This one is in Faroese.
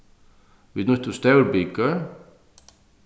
vit nýttu stór bikør